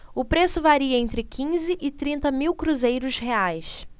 o preço varia entre quinze e trinta mil cruzeiros reais